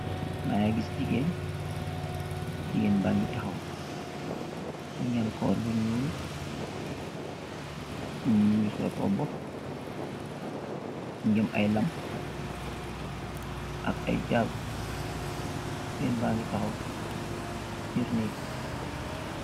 Mageh giss jigeen jigeen bagi taxaw mugi am karaw bu nuul mogi sol roba mogi am ay lam ak ay jaaru jigeen bagi taxaw si birr neeg.